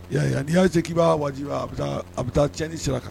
I'a n'i y'se k' b'a wajibi a a bɛ taa ti ni sira kan